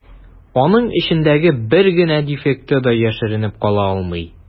Аның эчендәге бер генә дефекты да яшеренеп кала алмый.